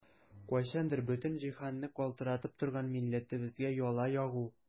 Кайчандыр бөтен җиһанны калтыратып торган милләтебезгә яла ягу!